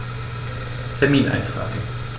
Termin eintragen